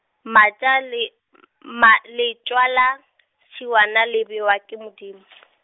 matša- le m- ma, letšwa la, tšhuana le bewa ke Modimo.